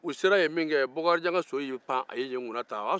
u sera yen min kɛ bakarija ka so y'i pan ka yen kunnata